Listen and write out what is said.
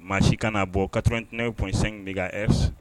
Maa si kana'a bɔ kat nesi bɛ